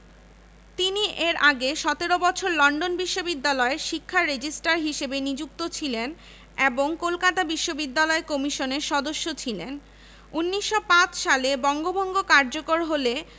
ছাত্র ও কর্মচারীকে নির্মমভাবে হত্যা করা হয়